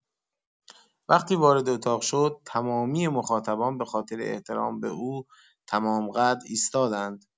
وقتی وارد اتاق شد، تمامی مخاطبان به‌خاطر احترام به او، تمام‌قد ایستادند.